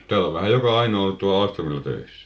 täällä on vähän joka ainoa ollut tuolla Ahlströmillä töissä